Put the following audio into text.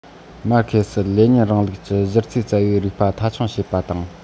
མར ཁེ སི ལེ ཉིན རིང ལུགས ཀྱི གཞི རྩའི རྩ བའི རིགས པ མཐའ འཁྱོངས བྱེད པ དང